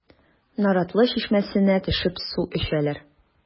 Наратлы чишмәсенә төшеп су эчәләр.